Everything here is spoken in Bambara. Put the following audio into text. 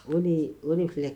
O de ye o de filɛ